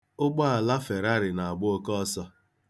Ụgbaala Ferrari na-agba oke ọsọ.